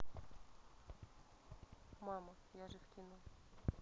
мама я же в кино